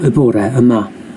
y bore yma.